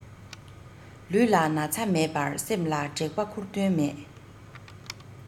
ལུས ལ ན ཚ མེད པར སེམས ལ དྲེག པ ཁུར དོན མེད